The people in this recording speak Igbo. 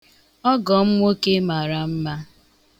Ọgọ m nwoke mara mma.